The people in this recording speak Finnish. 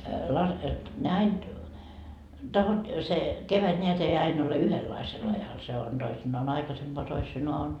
--- se kevät näet ei aina ole yhdenlaisella ajalla se on toisinaan aikaisempaan toisinaan on